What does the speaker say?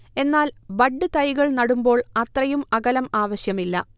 എന്നാൽ ബഡ്ഡ് തൈകൾ നടുമ്പോൾ അത്രയും അകലം ആവശ്യമില്ല